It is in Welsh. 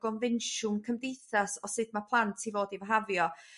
gonfensiwn cymdeithas o sud ma' plant i fod i fihafio.